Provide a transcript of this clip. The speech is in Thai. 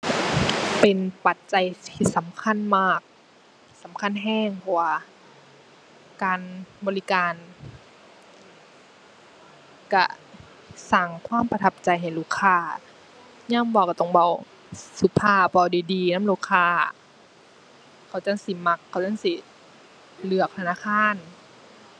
เป็นปัจจัยที่สำคัญมาก สำคัญแรง เพราะว่าการบริการแรงสร้างความประทับใจให้ลูกค้า ยามเว้าแรงต้องเว้าสุภาพ เว้าดีดีนำลูกค้า เขาจั่งสิมัก เขาจั่งสิเลือกธนาคาร